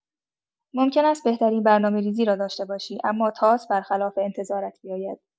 ممکن است بهترین برنامه‌ریزی را داشته باشی، اما تاس بر خلاف انتظارت بیاید.